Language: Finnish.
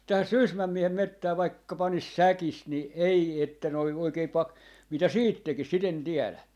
tähän Sysmän miehen metsään vaikka panisi säkissä niin ei että noin oikein - mitä sitten tekisi sitä en tiedä